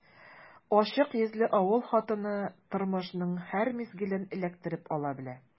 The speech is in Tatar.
Ачык йөзле авыл хатыны тормышның һәр мизгелен эләктереп ала белә.